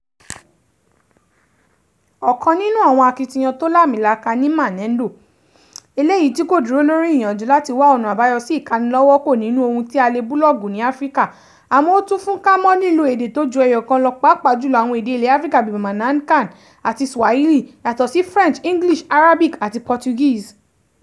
Ọ̀kan nínú àwọn akitiyan tó làmìlaka ní Maneno, eléyìí tí kò dúró lóri ìyànjú láti wa ọ̀nà àbáyọ sí ìkánilọ́wọ́kò nínú ohun tí a lè búlọ̀ọ̀gù ní Áfíríkà, àmọ́ ó tún fúnka mọ́ lílo èdè tó ju ẹyọ̀kan lọ pàápàá jùlọ àwọn èdè ilẹ̀ Áfíríkà bíi Bamanankan àti Swahili, yàtọ̀ sí French, English, Arabic àti Portuguese.